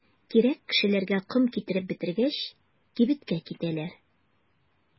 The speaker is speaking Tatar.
Кирәк кешеләргә ком китереп бетергәч, кибеткә китәләр.